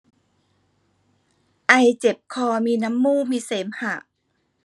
ไอเจ็บคอมีน้ำมูกมีเสมหะ